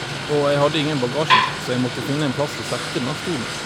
Og jeg hadde ingen bagasjebrett, så jeg måtte finne en plass å sette denne stolen.